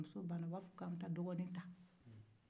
ni muso bannan u b'a ko an ka dɔgɔni ta